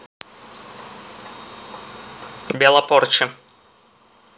bella порчи